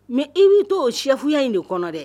Mais i b'i to o chef ya in de kɔnɔ dɛ